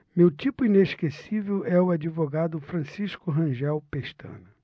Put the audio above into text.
meu tipo inesquecível é o advogado francisco rangel pestana